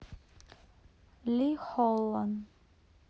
ли холлан